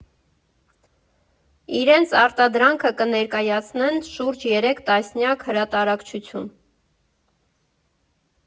Իրենց արտադրանքը կներկայացնեն շուրջ երեք տասնյակ հրատարակչություն։